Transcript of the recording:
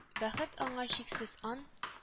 Бәхет аңа чиксез ан